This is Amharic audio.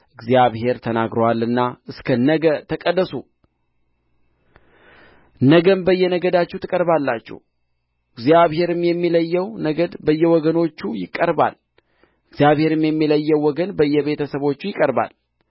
እግዚአብሔር ተናግሮአልና እስከ ነገ ተቀደሱ ነገም በየነገዳችሁ ትቀርባላችሁ እግዚአብሔርም የሚለየው ነገድ በየወገኖቹ ይቀርባል እግዚአብሔርም የሚለየው ወገን በየቤተ ሰቦቹ ይቀርባል